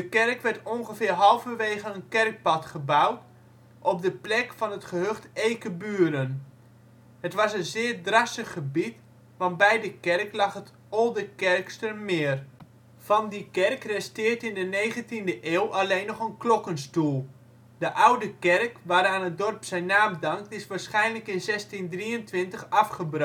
kerk werd ongeveer halverwege een kerkpad gebouwd op de plek van het gehucht Eekeburen. Het was een zeer drassig gebied, want bij de kerk lag het Oldekerster-meer. Van die kerk resteerde in de negentiende eeuw alleen nog een klokkenstoel. De oude kerk waaraan het dorp zijn naam dankt is waarschijnlijk in 1623 afgebroken. In